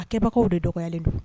A kɛbagaw de dɔgɔyalen don